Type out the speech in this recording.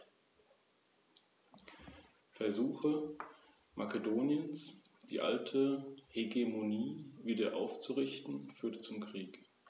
Nach dem Fall Saguntums und der Weigerung der Regierung in Karthago, Hannibal auszuliefern, folgte die römische Kriegserklärung.